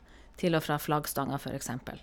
Til og fra flaggstanga, for eksempel.